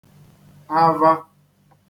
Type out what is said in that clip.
ava